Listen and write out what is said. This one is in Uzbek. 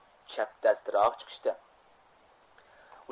chapdastrok chiqishdi